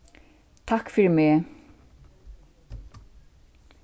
takk fyri meg